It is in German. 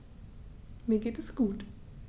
Mir geht es gut.